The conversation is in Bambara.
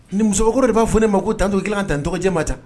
Nin musokɔrɔba de b'a fɔ ne ma ko taa to i tila ka taa n tɔgɔjɛ ma tan